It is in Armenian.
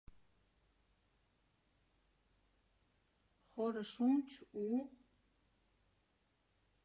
Խորը շունչ, ու…